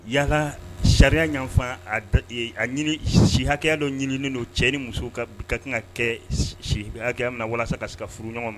Yalala sariyafan a si hakɛya dɔ ɲiniini don cɛ ni muso ka bi ka kan ka kɛ siya kɛ na walasasa ka se ka furu ɲɔgɔn ma